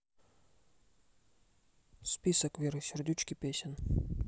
список веры сердючки песен